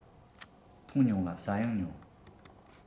འཐུང མྱོང ལ ཟ ཡང མྱོང